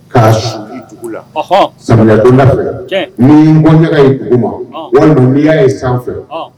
K'a la samidonda fɛ min bɔ ɲaga ye dugu ma waya ye sanfɛ